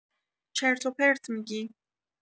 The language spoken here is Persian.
چرت و پرت می‌گی